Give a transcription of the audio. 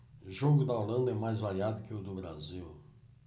jogo da holanda é mais variado que o do brasil